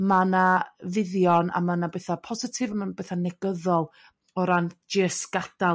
ma' 'na fuddion a ma' 'na betha' positif a ma' betha' negyddol o ran jyst gada'l